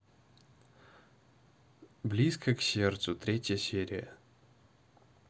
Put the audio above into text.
близко к сердцу третья серия